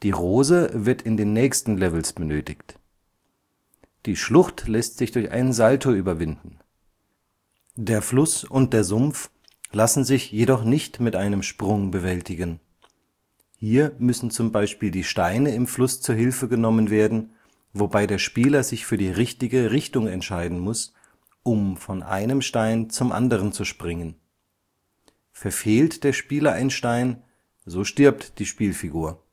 Rose wird in den nächsten Levels benötigt. Die Schlucht lässt sich durch einen Salto überwinden. Der Fluss und der Sumpf lassen sich jedoch nicht mit einem Sprung bewältigen. Hier müssen z. B. die Steine im Fluss zur Hilfe genommen werden, wobei der Spieler sich für die richtige Richtung entscheiden muss, um von einem Stein zum Anderen zu springen. Verfehlt der Spieler ein Stein, so stirbt die Spielfigur